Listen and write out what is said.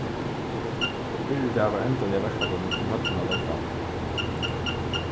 fyrr í dag var endaliga verkætlanin um høllina løgd fram